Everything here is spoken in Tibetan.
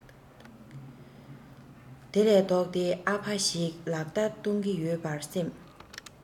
དེ ལས ལྡོག སྟེ ཨ ཕ ཞེས ལག བརྡ གཏོང གི ཡོད པར སེམས